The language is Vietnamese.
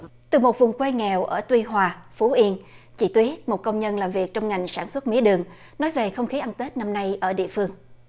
từ một vùng quê nghèo ở tuy hòa phú yên chị tuyết một công nhân làm việc trong ngành sản xuất mía đường nói về không khí ăn tết năm nay ở địa phương